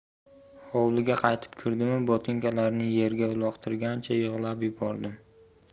hovliga qaytib kirdimu botinkalarni yerga uloqtirgancha yig'lab yubordim